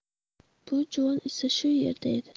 bu juvon esa shu yerda edi